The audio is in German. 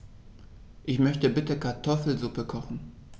Ich möchte bitte Kartoffelsuppe kochen.